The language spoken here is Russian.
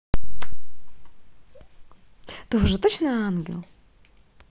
тоже точно ангел